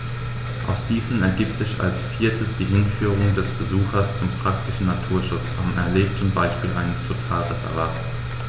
Aus diesen ergibt sich als viertes die Hinführung des Besuchers zum praktischen Naturschutz am erlebten Beispiel eines Totalreservats.